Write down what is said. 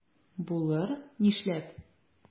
Булыр, нишләп?